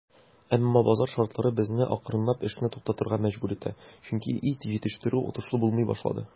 Әмма базар шартлары безне акрынлап эшне туктатырга мәҗбүр итә, чөнки ит җитештерү отышлы булмый башлады.